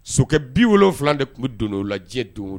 Sokɛ bi wolon wolonwula de tun bɛ don o lajɛ diɲɛ don o